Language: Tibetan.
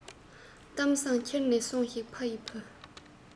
གཏམ བཟང འཁྱེར ནས སོང ཞིག ཕ ཡི བུ